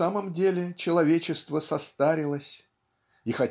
в самом деле человечество состарилось и